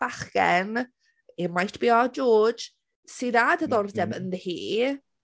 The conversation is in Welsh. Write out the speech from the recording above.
Bachgen it might be our George sydd â diddordeb ynddi hi...